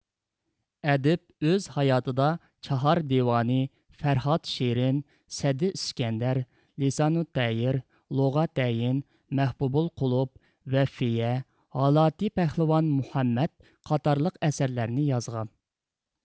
ئەدىب ئۆز ھاياتىدا چاھار دىۋانى فەرھاد شېرىن سەددى ئىسكەندەر لىسانۇتتەير لۇغەتەين مەھبۇبۇل قۇلۇپ ۋەففىيە ھالەتى پەھلىۋان مۇھەممەد قاتارلىق ئەسەرلەرنى يازغان